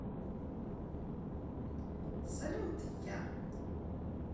салют я